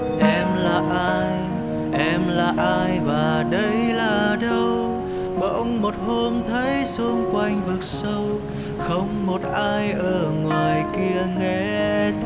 em là ai em là ai và đây là đâu bỗng một hôm thấy xung quanh vực sâu không một ai ở ngoài kia nghe